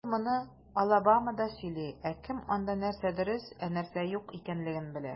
Ул моны Алабамада сөйли, ә кем анда, нәрсә дөрес, ә нәрсә юк икәнлеген белә?